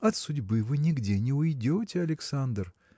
– От судьбы вы нигде не уйдете, Александр